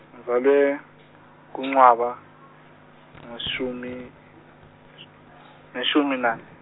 ngazalwa, kuNcwaba, ngoshumi- ziyishumi nane.